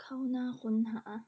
เข้าหน้าค้นหา